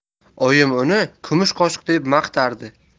oyim uni kumush qoshiq deb maqtardi